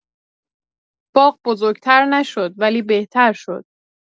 باغ بزرگ‌تر نشد، ولی بهتر شد.